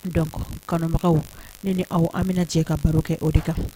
Donc kɔnɔma ne ni aw an bɛna cɛ ka baro kɛ o de kan